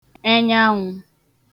enyaanwụ̄